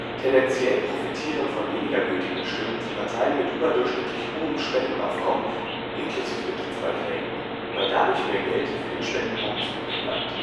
Tendenziell profitieren von weniger gültigen Stimmen die Parteien mit überdurchschnittlich hohem Spendenaufkommen (inklusiv Mitgliedsbeiträgen), weil dadurch mehr Geld für den Spendenbonus übrig bleibt